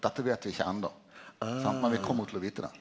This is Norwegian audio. dette veit vi ikkje enda sant, men vi kjem til å vite det.